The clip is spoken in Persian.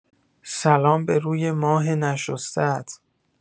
سلام به روی ماه نشسته‌ات.